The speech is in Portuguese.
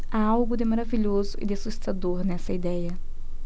há algo de maravilhoso e de assustador nessa idéia